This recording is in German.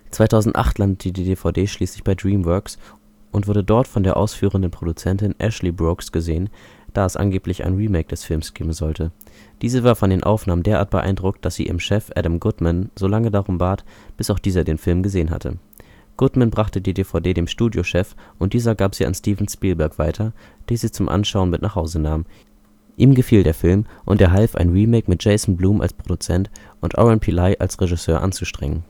2008 landete die DVD schließlich bei DreamWorks und wurde dort von der ausführenden Produzentin Ashley Brooks gesehen, da es angeblich ein Remake des Films geben sollte. Diese war von den Aufnahmen derart beeindruckt, dass sie ihren Chef Adam Goodman solange darum bat, bis auch dieser den Film gesehen hatte. Goodman brachte die DVD dem Studiochef und dieser gab sie an Steven Spielberg weiter, der sie zum Anschauen mit nach Hause nahm. Ihm gefiel der Film und er half, ein Remake mit Jason Blum als Produzent und Oren Peli als Regisseur anzustrengen